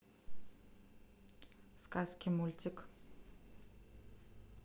сказки мультик